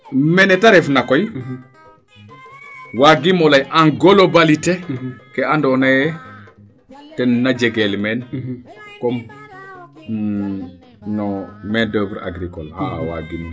mene te ref na koy waagiimo ley en globalité ke ando naye ten na jegel meen comme no main d' oeuvre agricole xa a waaginum